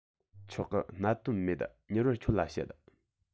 ཆོག གི གནད དོན མེད མྱུར བར ཁྱོད ལ བཤད